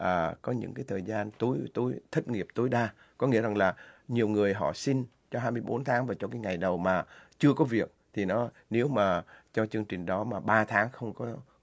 à có những cái thời gian túi túi thất nghiệp tối đa có nghĩa là nhiều người họ xin cho hai mươi bốn tháng và cho cái ngày đầu mà chưa có việc thì nó nếu mà cho chương trình đó mà ba tháng không không